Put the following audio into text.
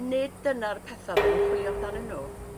nid dyna'r petha' ma' nw chwilio amdanyn nw.